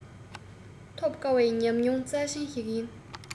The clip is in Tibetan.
ཐོབ དཀའ བའི ཉམས མྱོང རྩ ཆེན ཞིག ཡིན